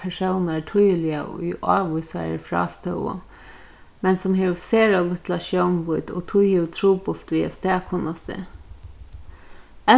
persónar týðiliga í ávísari frástøðu men sum hevur sera lítla sjónvídd og tí hevur trupult við at staðkunna seg